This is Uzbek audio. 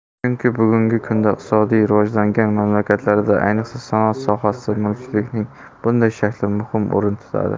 chunki bugungi kunda iqtisodiy rivojlangan mamlakatlarda ayniqsa sanoat sohasida mulkchilikning bunday shakli muhim o'rin tutadi